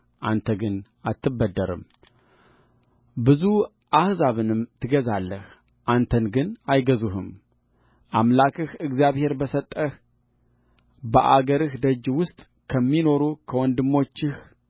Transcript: አንተ ግን አትበደርም ብዙ አሕዛብንም ትገዛለህ አንተን ግን አይገዙህም አምላክህ እግዚአብሔር በሰጠህ በአገርህ ደጅ ውስጥ ከሚኖሩ ከወንድሞችህ